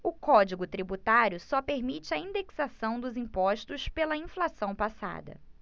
o código tributário só permite a indexação dos impostos pela inflação passada